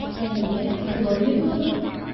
Әйе, Доллигамы?